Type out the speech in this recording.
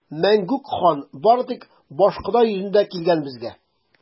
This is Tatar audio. Мәңгүк хан бары тик башкода йөзендә килгән безгә!